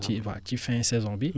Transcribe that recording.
ci waa ci fin saison bi